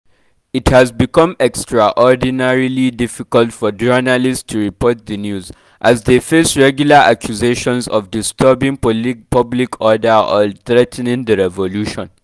It has become extraordinarily difficult for journalists to report the news, as they face regular accusations of “disturbing public order” or “threatening the revolution”.